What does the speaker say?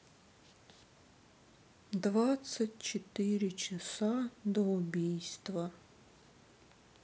двадцать четыре часа до убийства